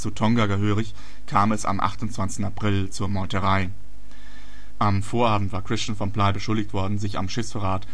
Tonga gehörig, kam es am 28. April zur Meuterei: Am Vorabend war Christian von Bligh beschuldigt worden, sich am Schiffsvorrat